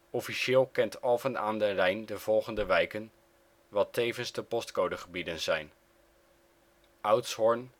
Officieel kent Alphen aan den Rijn de volgende wijken, wat tevens de postcodegebieden zijn: Oudshoorn